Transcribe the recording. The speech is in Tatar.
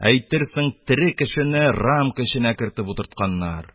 Әйтерсең, тере кешене рамка эчепә кертеп утыртканнар...